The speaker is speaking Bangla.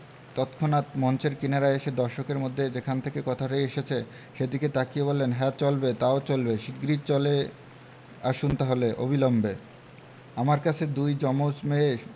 তৎক্ষনাত মঞ্চের কিনারে এসে দর্শকদের মধ্যে যেখান থেকে কথাটা এসেছে সেদিকে তাকিয়ে বললেন হ্যাঁ চলবে তাও চলবে শিগগির চলে আসুন তাহলে অবিলম্বে আমার কাছে দুই জমজ মেয়ে